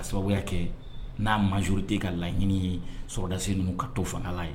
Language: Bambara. Ka sababuya kɛ n'a majorité ka laɲini ye sɔrɔdasi ninuu ka taa fangala ye